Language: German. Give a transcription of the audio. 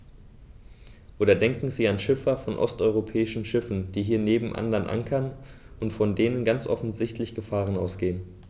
Oder denken Sie an Schiffer von osteuropäischen Schiffen, die hier neben anderen ankern und von denen ganz offensichtlich Gefahren ausgehen.